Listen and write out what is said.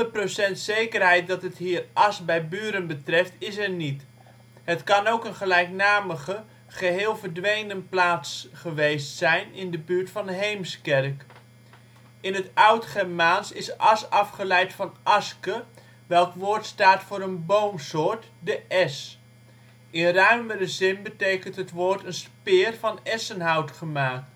procent zekerheid dat het hier Asch bij Buren betreft is er niet. Het kan ook een gelijknamige, geheel verdwenen plaats geweest zijn, in de buurt van Heemskerk. In het oud Germaans is Asch afgeleid van aske, welk woord staat voor een boomsoort, de es. In ruimere zin betekende het woord een speer van essenhout gemaakt